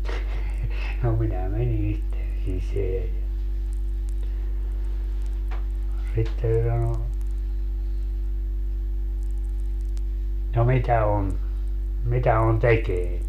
no minä menin sitten sisään ja sitten se sanoi no no mitä on mitä on tekeillä